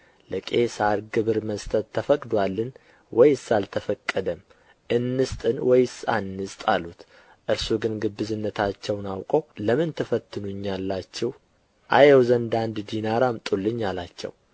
ለቄሣር ግብር መስጠት ተፈቅዶአልን ወይስ አልተፈቀደም እንስጥን ወይስ አንስጥ አሉት እርሱ ግን ግብዝነታቸውን አውቆ ለምን ትፈትኑኛላችሁ አየው ዘንድ አንድ ዲናር አምጡልኝ አላቸው